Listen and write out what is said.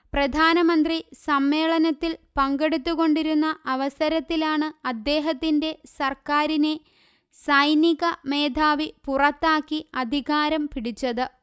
പ്രധാനമന്ത്രി സമ്മേളനത്തിൽ പങ്കെടുത്തു കൊണ്ടിരുന്ന അവസരത്തിലാണ് അദ്ദേഹത്തിന്റെ സർക്കാരിനെ സൈനിക മേധാവി പുറത്താക്കി അധികാരം പിടിച്ചത്